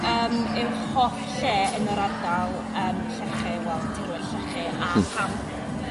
yym yw'ch hoff lle yn yr ardal yym llechi yym tirwedd llechi a... Hmm. ...pam?